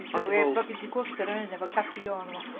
Dwi'n sylwi bod gen ti coaster yn fan hyn efo Caffi arna fo.